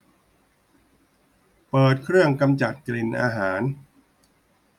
เปิดเครื่องกำจัดกลิ่นอาหาร